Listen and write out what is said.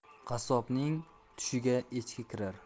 qassobning tushiga echki kirar